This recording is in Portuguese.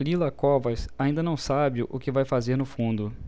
lila covas ainda não sabe o que vai fazer no fundo